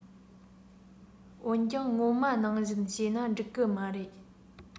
འོན ཀྱང སྔོན མ ནང བཞིན བྱས ན འགྲིག གི མ རེད